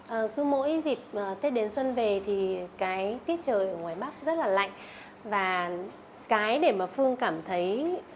ờ cứ mỗi dịp tết đến xuân về thì cái tiết trời ở ngoài bắc rất là lạnh và cái để mà phương cảm thấy